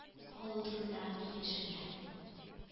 Калу турында киңәшергә